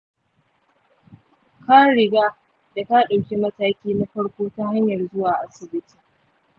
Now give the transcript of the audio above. ka riga da ka ɗauki mataki na farko ta hanyar zuwa asibiti.